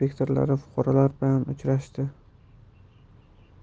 inspektorlari fuqarolar bilan uchrashdi